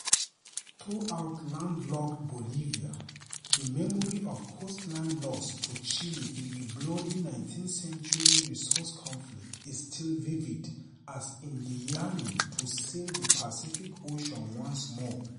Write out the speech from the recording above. Throughout landlocked Bolivia, the memory of a coastline lost to Chile in a bloody 19th-century resource conflict is still vivid - as is the yearning to sail the Pacific Ocean once more.